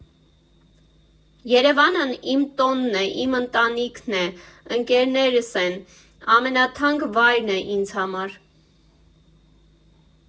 Երևանն իմ տունն է, իմ ընտանիքն է, ընկերներս են՝ ամենաթանկ վայրն է ինձ համար։